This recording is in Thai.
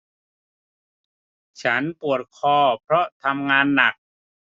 ฉันปวดคอเพราะทำงานหนัก